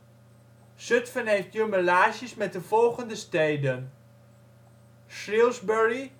Zutphen heeft jumelages met de volgende steden: Shrewsbury